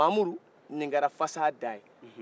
mamudu ni kɛra faasa dan ye